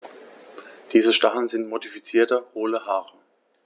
Diese Stacheln sind modifizierte, hohle Haare.